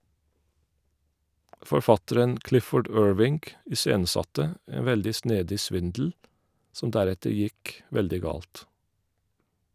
Forfatteren Clifford Irving iscenesatte en veldig snedig svindel som deretter gikk veldig galt.